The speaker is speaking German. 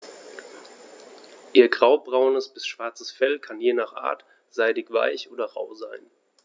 Ihr graubraunes bis schwarzes Fell kann je nach Art seidig-weich oder rau sein.